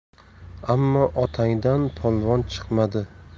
ammo otangdan polvon chiqmadi